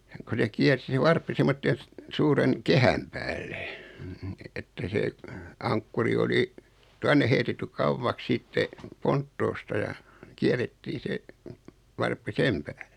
kun se kiersi se varppi semmoisen - suuren kehän päällä että se ankkuri oli tuonne heitetty kauaksi sitten ponttoosta ja kierrettiin se varppi sen päälle